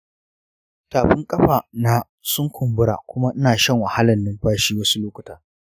tafin ƙafa na sun kunbura kuma ina shan wahalan numfashi wasu lokuta.